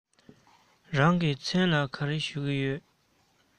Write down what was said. ཁྱེད རང གི མཚན ལ ག རེ ཞུ གི ཡོད